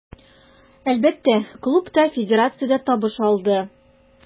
Әлбәттә, клуб та, федерация дә табыш алды.